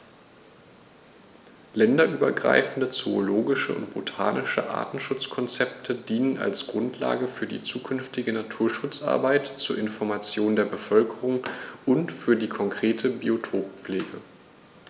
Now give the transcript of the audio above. Länderübergreifende zoologische und botanische Artenschutzkonzepte dienen als Grundlage für die zukünftige Naturschutzarbeit, zur Information der Bevölkerung und für die konkrete Biotoppflege.